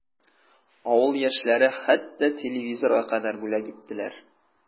Авыл яшьләре хәтта телевизорга кадәр бүләк иттеләр.